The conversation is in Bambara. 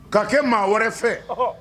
Ka kɛ maa wɛrɛ fɛ